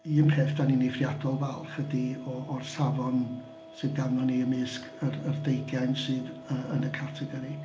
Un peth dan ni'n eithriadol o falch ydi o o'r safon sydd ganddo ni ymysg yr yr deugain sydd yy yn y categori.